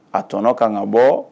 A tɔnɔ ka ka bɔ